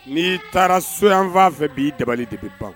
N'i taara soranfan fɛ b'i dabali de bɛ ban